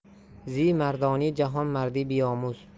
zi mardoni jahon mardi biyomuz